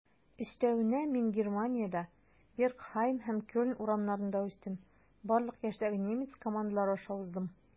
Өстәвенә, мин Германиядә, Бергхайм һәм Кельн урамнарында үстем, барлык яшьтәге немец командалары аша уздым.